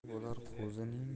qo'chqor bo'lar qo'zining